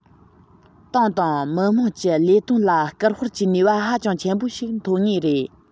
ཏང དང མི དམངས ཀྱི ལས དོན ལ སྐུལ སྤེལ གྱི ནུས པ ཧ ཅང ཆེན པོ ཞིག འཐོན ངེས རེད